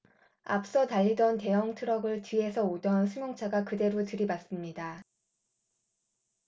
앞서 달리던 대형 트럭을 뒤에서 오던 승용차가 그대로 들이받습니다